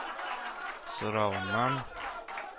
Соравыннан